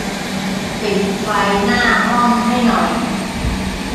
ปิดไฟหน้าห้องให้หน่อย